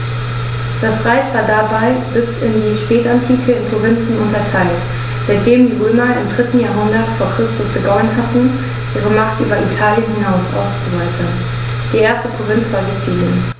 Das Reich war dabei bis in die Spätantike in Provinzen unterteilt, seitdem die Römer im 3. Jahrhundert vor Christus begonnen hatten, ihre Macht über Italien hinaus auszuweiten (die erste Provinz war Sizilien).